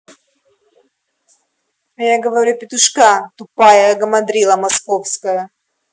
а я говорю петушка тупая гамадрила московская